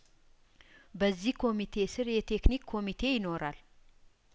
በዚህ ኮሚቴ ስር የቴክኒክ ኮሚቴ ይኖራል